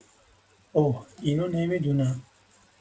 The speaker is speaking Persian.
اوه اینو نمی‌دونم